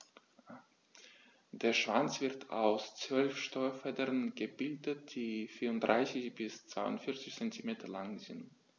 Der Schwanz wird aus 12 Steuerfedern gebildet, die 34 bis 42 cm lang sind.